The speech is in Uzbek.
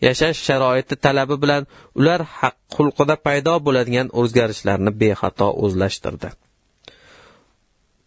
yashash sharoiti talabi bilan ular xulqida paydo bo'ladigan o'zgarishlarni bexato o'zlashtirdi